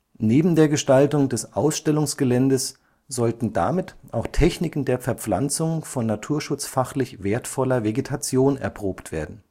Neben der Gestaltung des Ausstellungsgeländes sollten damit auch Techniken der Verpflanzung von naturschutzfachlich wertvoller Vegetation erprobt werden